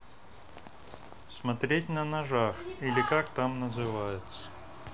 смотреть на ножах или как там называется